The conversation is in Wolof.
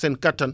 seen kattan